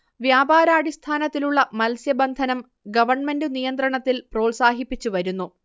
വ്യാപാരാടിസ്ഥാനത്തിലുള്ള മത്സ്യബന്ധനം ഗണ്മെന്റു നിയന്ത്രണത്തിൽ പ്രോത്സാഹിപ്പിച്ചു വരുന്നു